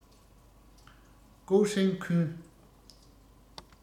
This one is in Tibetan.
ཀུའོ ཧྲེང ཁུན